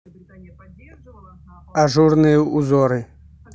ажурные узоры